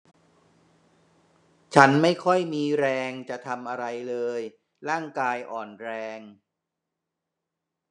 ฉันไม่ค่อยมีแรงจะทำอะไรเลยร่างกายอ่อนแรง